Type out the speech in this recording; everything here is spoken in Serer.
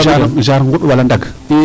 genre ŋuɗ wala ndaŋ